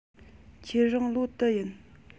ཁྱེད རང ལོ དུ ཡིན